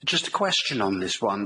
Just yy question on this one.